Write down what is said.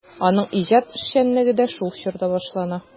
Аның иҗат эшчәнлеге дә шул чорда башлана.